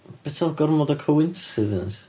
Be ti'n meddwl gormod o coincidence?